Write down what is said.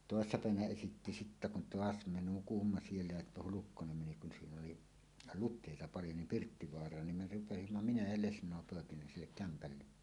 toissa päivänä esitti sitten kun taas me nukuimme siellä ja Hulkkonen meni kun siinä oli luteita paljon niin Pirttivaaraan niin me rupesimme minä ja lesnoi poikineen sille kämpälle